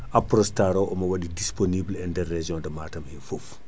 Aprostar o omo waɗi disponible e nder région de Matam he foof